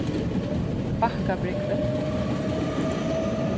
bakkabrúgvin